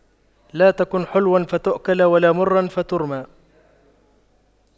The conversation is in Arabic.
لا تكن حلواً فتؤكل ولا مراً فترمى